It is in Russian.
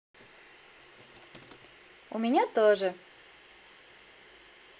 у меня тоже